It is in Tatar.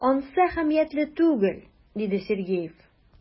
Ансы әһәмиятле түгел,— диде Сергеев.